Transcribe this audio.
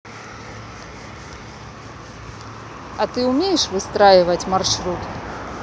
а ты умеешь выстраивать маршрут